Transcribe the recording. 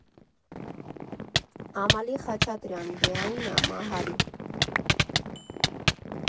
Ամալի Խաչատրյան Բիայնա Մահարի։